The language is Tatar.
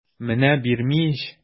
Менә бирми ич!